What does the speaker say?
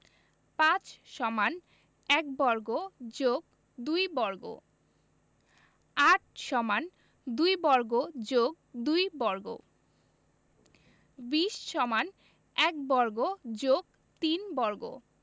৫ = ১ বর্গ + ২ বর্গ ৮ = ২ বর্গ + ২ বর্গ ২০ = ১ বর্গ + ৩ বর্গ